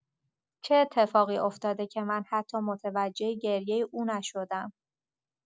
چه اتفاقی افتاده که من حتی متوجه گریه او نشدم؟